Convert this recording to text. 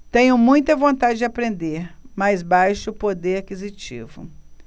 tenho muita vontade de aprender mas baixo poder aquisitivo